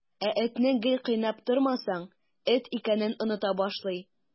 Ә этне гел кыйнап тормасаң, эт икәнен оныта башлый.